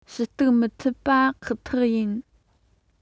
ཞུ གཏུག མི ཐུབ པ ཁག ཐེག ཡིན